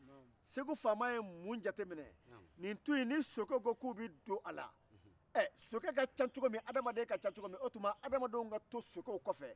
segu faama ko adamadenw ka to sokɛw kɔfɛ